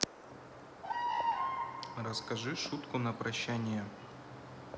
расскажи шутку на прощание